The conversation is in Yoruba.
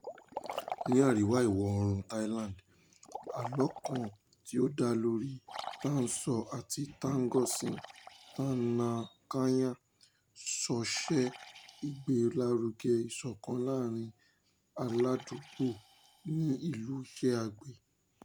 Ní àríwá ìwọ-oòrùn Thailand, àlọ́ kan tí ó dá lórí Ta Sorn tí Tongsin Tanakanya sọ ṣe ìgbélárugẹ ìṣọ̀kan láàárín aládùúgbò ní ìlú iṣẹ́ àgbẹ̀.